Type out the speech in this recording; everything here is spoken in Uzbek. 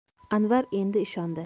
anvar endi ishondi